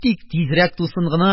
Тик тизрәк тусын гына!